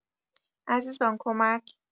عزیزان کمک